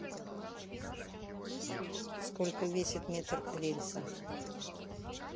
сколько весит метр рельса